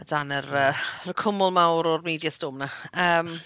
Odan yr yy yr cwmwl mawr o'r media storm 'na yym .